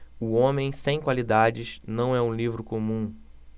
o homem sem qualidades não é um livro comum